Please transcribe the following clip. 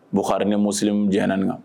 Bu ha ni mu j na